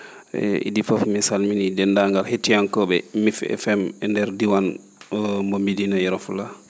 idii fof mi salminii denndaangal hettiyankoo?e MIF FM e ndeer diiwaan o mbo Médina Yoro Fula